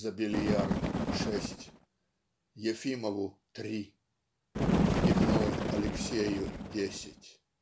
за биллиард шесть, Ефимову три, в пивной Алексею десять".